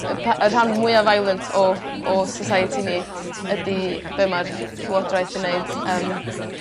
y pa- y rhan mwya violent o o society ni ydi be' ma'r ll- llywodraeth yn neud yym